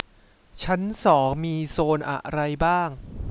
ชั้นสองมีโซนอะไรบ้าง